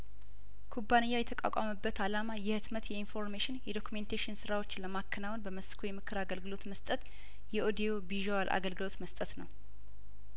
ኩባንያው የተቋቋመበት አላማ የህትመት የኢንፎርሜሽን የዶክሜንቴሽን ስራዎች ለማከናወን በመስኩ የምክር አገልግሎት መስጠት የኦዲዮ ቪዥዋል አገልግሎት መስጠት ነው